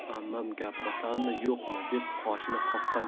xolposh xola bir zum dovdirab qoldi